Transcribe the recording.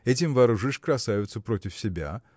этим вооружишь красавицу против себя.